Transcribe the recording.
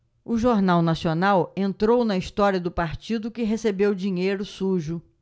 o jornal nacional entrou na história do partido que recebeu dinheiro sujo